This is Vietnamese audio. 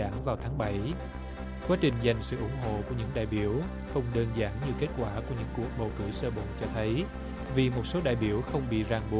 đảng vào tháng bảy quá trình giành sự ủng hộ của những đại biểu không đơn giản như kết quả của những cuộc bầu cử sơ bộ cho thấy vì một số đại biểu không bị ràng buộc